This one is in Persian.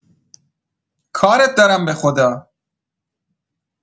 کارت دارم بخدا